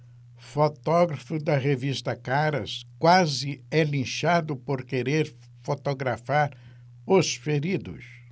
fotógrafo da revista caras quase é linchado por querer fotografar os feridos